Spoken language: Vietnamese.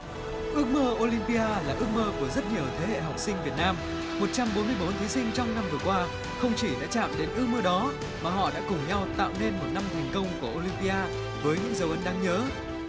ước mơ ô lim pi a là ước mơ của rất nhiều thế hệ học sinh việt nam một trăm bốn mươi bốn thí sinh trong năm vừa qua không chỉ đã chạm đến ước mơ đó mà họ đã cùng nhau tạo nên một năm thành công của ô lim pi a với những dấu ấn đáng nhớ